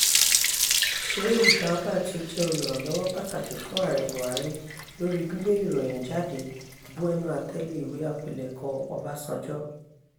Shehu Garba, tí ó jẹ́ olùrànlọ́wọ́ pàtàkì fún Ààrẹ Buhari lórí gbígbé ìròyìn jáde, bu ẹnu àtẹ́ lu ìwé àpilẹ̀kọ Ọbásanjọ́: